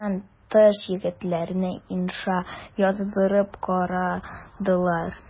Моннан тыш егетләрне инша яздырып карадылар.